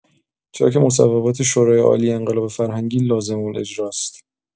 چرا که مصوبات شورای‌عالی انقلاب فرهنگی لازم‌الاجراست.